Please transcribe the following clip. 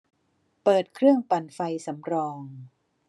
เปิดเครื่องปั่นไฟสำรอง